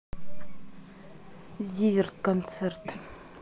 зиверт концерт